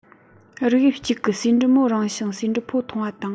རིགས དབྱིབས གཅིག གི ཟེའུ འབྲུ མོ རིང ཞིང ཟེའུ འབྲུ ཕོ ཐུང བ དང